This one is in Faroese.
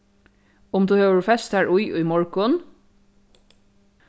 um tú hevur fest tær í í morgun